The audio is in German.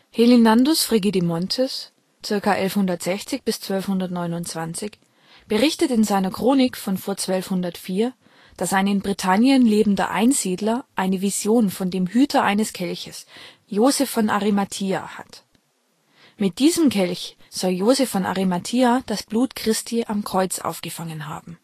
Helinandus Frigidimontis (~ 1160 - 1229) berichtet in seiner Chronik von vor 1204, dass ein in Britannien lebender Einsiedler eine Vision von dem Hüter eines Kelches, Joseph von Arimathia, hat. Mit diesem Kelch soll Joseph von Arimathia das Blut Christi am Kreuz aufgefangen haben